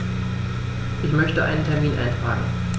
Ich möchte einen Termin eintragen.